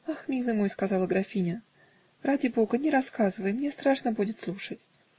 -- Ах, милый мой, -- сказала графиня, -- ради бога не рассказывай мне страшно будет слушать.